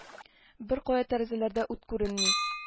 Беркая тәрәзәләрдә ут күренми